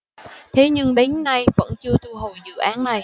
thế nhưng đến nay vẫn chưa thu hồi dự án này